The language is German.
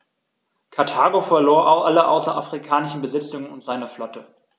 Karthago verlor alle außerafrikanischen Besitzungen und seine Flotte.